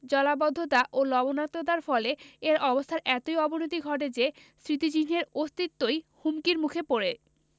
জলাবদ্ধতা ও লবণাক্ততার ফলে এর অবস্থার এতই অবনতি ঘটে যে স্মৃতিচিহ্নের অস্তিত্বই হুমকির মুখে পড়ে